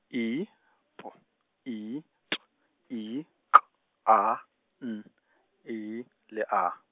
I P I T I K A N Y le A.